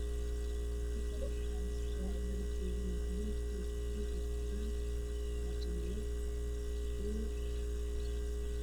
Waa sajaayad midabkeedu uu yahay buluug, qaxwi iyo cadaan, jaale iyo kafay.